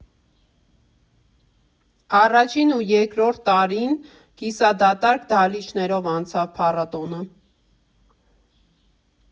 Առաջին ու երկրորդ տարին կիսադատարկ դահլիճներով անցավ փառատոնը։